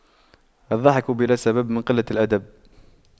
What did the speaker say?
الضحك بلا سبب من قلة الأدب